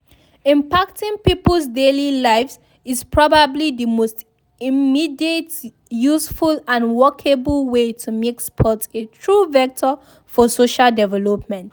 Impacting people's daily lives is probably the most immediate, useful, and workable way to make sports a true vector for social development.